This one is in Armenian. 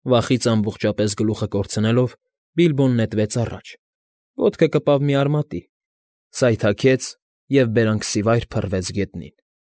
Վախից ամբողջապես գլուխը կորցնելով՝ Բիլբոն նետվեց առաջ, ոտքը կպավ մի արմատի, սայթաքեց և բերանքսիվայր փռվեց գետնին։